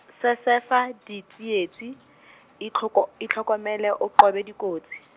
sesefa ditsietsi , itlhoko- itlhokomele o qobe dikotsi.